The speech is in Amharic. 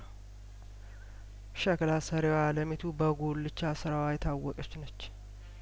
ሸክላ ሰሪዋ አለሚ ቱ በጉልቻ ስራዋ የታወቀችነች